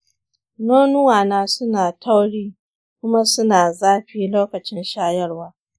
nonuwa na suna tauri kuma suna zafi lokacin shayarwa